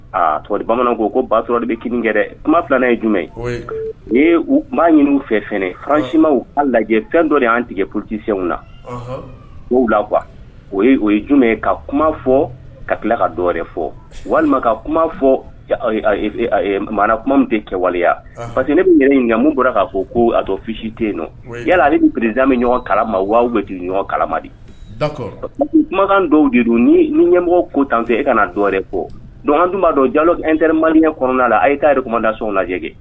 Tɔgɔ bamananw ko batura de bɛ kiinikɛɛrɛ kuma filanan ye jumɛn ye n m maa ɲini u fɛ fransima lajɛ fɛn dɔ de y' an tigɛ ptesɛw na o la qu o o ye jumɛn ye ka kuma fɔ ka tila ka donɛrɛ fɔ walima ka kuma fɔ mara kuma min tɛ kɛwaleya parce que ne bɛ yɛrɛ in nka mun bɔra k'a ko ko a dɔnfisi tɛ yen nɔn yala ale bɛere bɛ ɲɔgɔn kalama'aw bɛ ɲɔgɔn kalama di kumakan dɔw de ni ni ɲɛmɔgɔ ko tanfɛ e ka dɔwɛrɛ kɔ don tun b'a dɔn jalo nte maliya kɔnɔna la a ye taa de kuma da son lajɛ